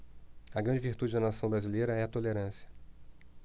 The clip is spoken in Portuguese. a grande virtude da nação brasileira é a tolerância